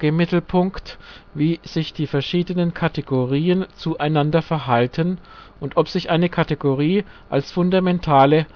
Mittelpunkt, wie sich die verschiedenen Kategorien zueinander verhalten und ob sich eine Kategorie als fundamentale